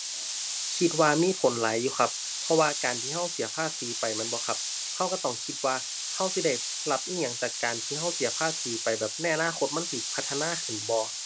คิดว่ามีผลหลายอยู่ครับ เพราะว่าการที่เราเสียภาษีไปแม่นบ่ครับ เราเราต้องคิดว่า เราสิได้รับอิหยังจากการที่เราเสียภาษีไป แบบในอนาคตมันสิพัฒนาขึ้นบ่